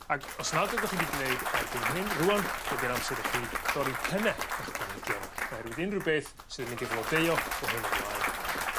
Ag os nad ydoch chi 'di gneud erbyn hyn rŵan ydi'r amser i chi dorri penne 'ych planhigion oherwydd unrywbeth sdd yn mynd i flodeuo o hyn ymlaen wel